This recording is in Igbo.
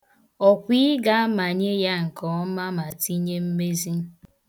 Ọ kwa ị ga-amanye ya nke ọma ma tinye mmezi?